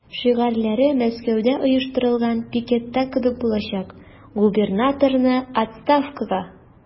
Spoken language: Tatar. Шигарьләре Мәскәүдә оештырылган пикетта кебек булачак: "Губернаторны– отставкага!"